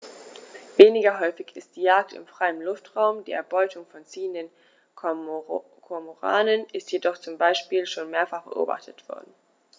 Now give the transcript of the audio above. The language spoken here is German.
Weniger häufig ist die Jagd im freien Luftraum; die Erbeutung von ziehenden Kormoranen ist jedoch zum Beispiel schon mehrfach beobachtet worden.